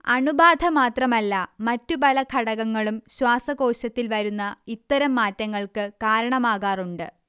അണുബാധ മാത്രമല്ല മറ്റ് പല ഘടകങ്ങളും ശ്വാസകോശത്തിൽ വരുന്ന ഇത്തരം മാറ്റങ്ങൾക്ക് കാരണമാകാറുണ്ട്